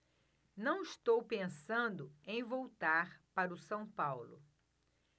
não estou pensando em voltar para o são paulo